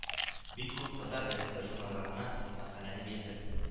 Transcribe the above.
Бик күп татар газета- журналларына мәкаләне бирдем